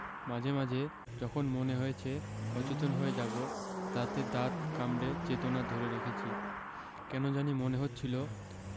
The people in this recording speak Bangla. মাঝে মাঝে যখন মনে হয়েছে অচেতন হয়ে যাবো দাঁতে দাঁত কামড়ে চেতনা ধরে রেখেছি কেন জানি মনে হচ্ছিলো